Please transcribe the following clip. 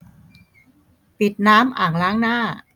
ปิดน้ำอ่างล้างหน้า